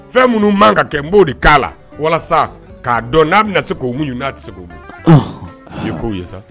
Fɛn minnu ma ka kɛ n b'o de k'a la walasa k'a dɔn n'a bɛna na se k'o mun n'a tɛ se k'o ma k'o ye sa